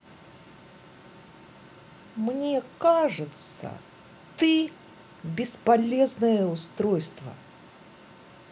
мне кажется ты бесполезное устройство